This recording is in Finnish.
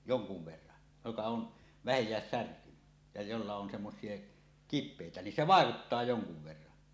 jonkun verran joka on vähänkään särkynyt ja jolla on semmoisia kipeitä niin se vaikuttaa jonkun verran